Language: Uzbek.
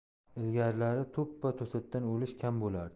ilgarilari to'ppa to'satdan o'lish kam bo'lardi